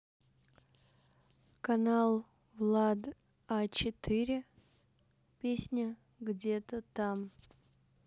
канал влад а четыре песня где то там